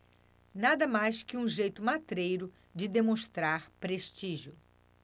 nada mais que um jeito matreiro de demonstrar prestígio